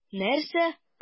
Нәрсә?!